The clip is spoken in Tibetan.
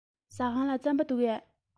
ཟ ཁང ལ རྩམ པ འདུག གས